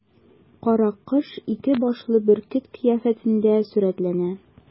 Каракош ике башлы бөркет кыяфәтендә сурәтләнә.